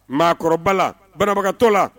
Maakɔrɔba la banabagatɔ la